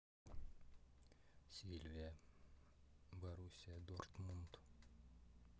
севилья боруссия дортмунд